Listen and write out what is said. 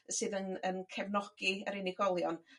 sydd yn yn cefnogi yr unigolion